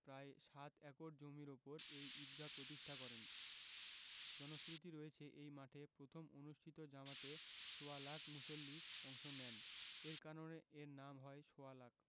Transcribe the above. প্রায় সাত একর জমির ওপর এই ঈদগাহ প্রতিষ্ঠা করেন জনশ্রুতি রয়েছে এই মাঠে প্রথম অনুষ্ঠিত জামাতে সোয়া লাখ মুসল্লি অংশ নেন এ কারণে এর নাম হয় সোয়া লাখ